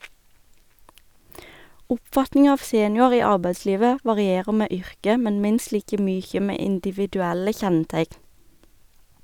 Oppfatninga av seniorar i arbeidslivet varierer med yrke, men minst like mykje med individuelle kjenneteikn.